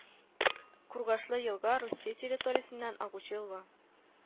Кургашлы елга Русия территориясеннән агучы елга